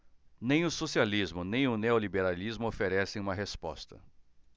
nem o socialismo nem o neoliberalismo oferecem uma resposta